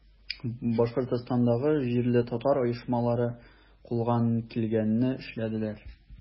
Башкортстандагы җирле татар оешмалары кулдан килгәнне эшләделәр.